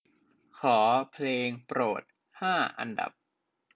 ขอเพลงโปรดห้าอันดับ